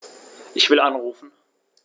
Ich will anrufen.